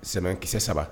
Sɛmɛ kisɛ 3